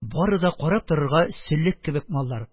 Бары да карап торырга сөлек кебек маллар.